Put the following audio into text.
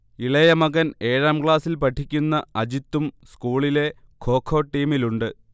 ഇളയമകൻ ഏഴാം ക്ലാസിൽ പഠിക്കുന്ന അജിത്തും സ്കൂളിലെ ഖോഖൊ ടീമിലുണ്ട്